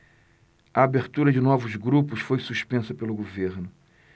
a abertura de novos grupos foi suspensa pelo governo